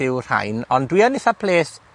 yw'r rhain, ond dwi yn itha ples